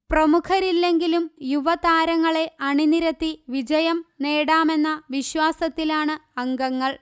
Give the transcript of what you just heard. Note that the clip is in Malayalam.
പ്രമുഖരില്ലെങ്കിലും യുവ താരങ്ങളെ അണി നിരത്തി വിജയം നേടാമെന്ന വിശ്വാസത്തിലാണ് അംഗങ്ങൾ